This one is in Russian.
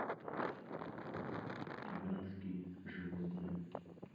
гигантские животные